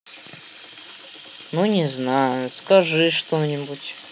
ну не знаю скажи что нибудь